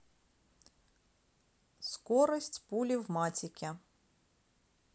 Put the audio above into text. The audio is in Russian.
скорость пули в матике